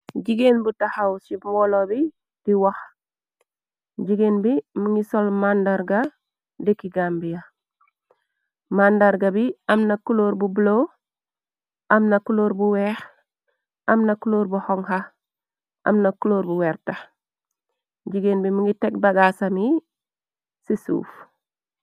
Jigéen bu taxaw ci mbolo bi di wax jigéen bi mongi sol màndarga dikki Gambia màndarga bi amna culor bu bulo amna culor bu weex amna culóor bu xonxa amna clóor bu werta jigéen bi mongi teg bagaasami ci suuf.